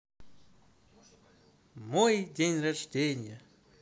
мой день рождения